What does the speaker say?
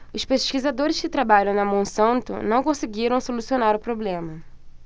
os pesquisadores que trabalham na monsanto não conseguiram solucionar o problema